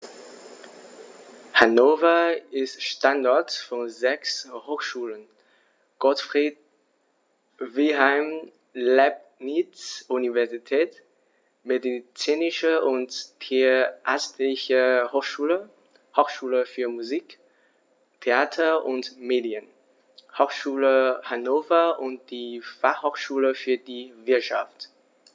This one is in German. Hannover ist Standort von sechs Hochschulen: Gottfried Wilhelm Leibniz Universität, Medizinische und Tierärztliche Hochschule, Hochschule für Musik, Theater und Medien, Hochschule Hannover und die Fachhochschule für die Wirtschaft.